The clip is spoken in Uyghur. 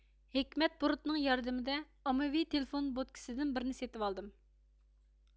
ھېكمەت بۇرۇتنىڭ ياردىمىدە ئاممىۋى تېلېفون بوتكىسىدىن بىرنى سېتىۋالدىم